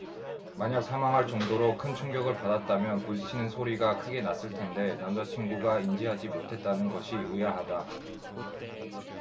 만약 사망할 정도로 큰 충격을 받았다면 부딪치는 소리가 크게 났을 텐데 남자친구가 인지하지 못했다는 것이 의아하다